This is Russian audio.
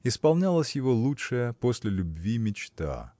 Исполнялась его лучшая, после любви, мечта.